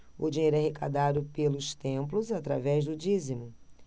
o dinheiro é arrecadado pelos templos através do dízimo